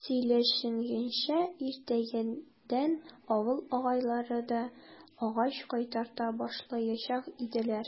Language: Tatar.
Сөйләшенгәнчә, иртәгәдән авыл агайлары да агач кайтарта башлаячак иделәр.